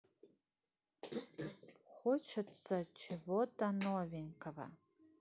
хочется чего то новенького